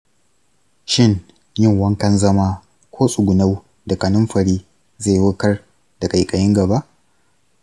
shin yin wankan zama ko tsugunau da kanunfari zai warkar da ƙaiƙayin gaba?